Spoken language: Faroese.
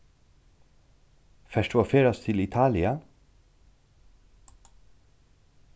fert tú at ferðast til italia